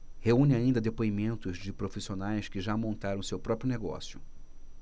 reúne ainda depoimentos de profissionais que já montaram seu próprio negócio